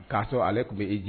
K'asɔrɔ ale tun bɛ eji